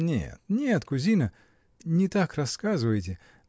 — Нет, нет, кузина: не так рассказываете.